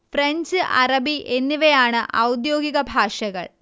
French Arabi എന്നിവയാണ് ഔദ്യോഗിക ഭാഷകൾ